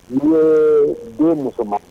Ni ye du muso ma